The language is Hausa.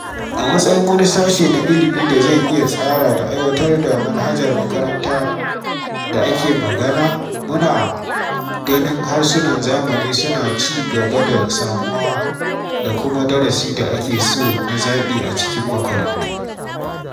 A matsayin wani sashe na ilmi da zai iya tsara da aiwatar da manhajar makaranta da ake magana, muna ganin harsunan zamani suna ci gaba da da sanuwa da kuma darasi da ake so na zabi a cikin makarantu.